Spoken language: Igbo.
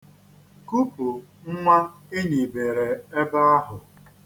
Kupu nnwa enyibere ebe ahụ.